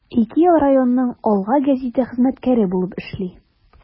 Ике ел районның “Алга” гәзите хезмәткәре булып эшли.